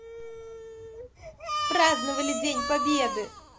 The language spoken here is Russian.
праздновали день победы